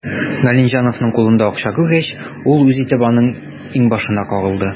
Галимҗановның кулында акча күргәч, ул үз итеп аның иңбашына кагылды.